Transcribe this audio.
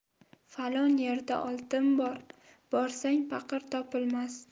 falon yerda oltin bor borsang paqir topilmas